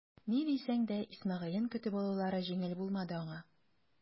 Ни дисәң дә Исмәгыйлен көтеп алулары җиңел булмады аңа.